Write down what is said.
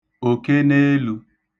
òkeneelū